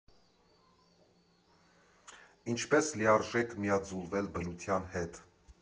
Ինչպես լիարժեք միաձուլվել բնության հետ։